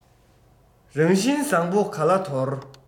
རང བཞིན བཟང པོ ག ལ འདོར